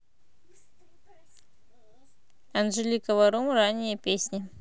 анжелика варум ранние песни